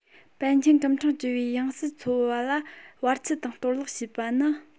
པཎ ཆེན སྐུ ཕྲེང བཅུ བའི ཡང སྲིད འཚོལ བ ལ བར ཆད དང གཏོར བརླག བྱས པ ནི